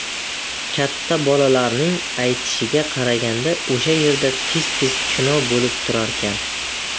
katta bolalarning aytishiga qaraganda o'sha yerda tez tez kino bo'lib turarkan